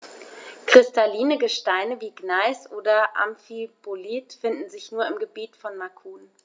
Kristalline Gesteine wie Gneis oder Amphibolit finden sich nur im Gebiet von Macun.